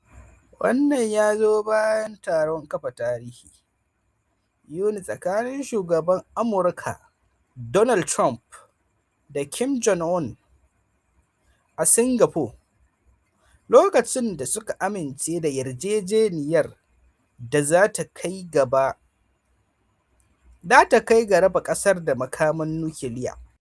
Wannan ya zo bayan taron kafa tarihi Yuni tsakanin shugaban Amurka Donald Trump da Kim Jong-un a Singapore, lokacin da suka amince da yarjejeniyar da za ta kai ga raba kasar da makaman nukiliya.